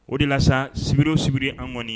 O de la sibiridon sibiri an kɔniɔni